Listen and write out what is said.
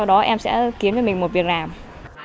đó em sẽ kiếm cho mình một việc làm